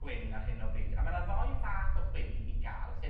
chwyn ar hyn o bryd, a ma' 'na ddou fath o chwyn i ga'l, sef